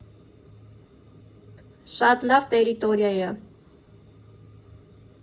Շատ լավ տերիտորիա ա։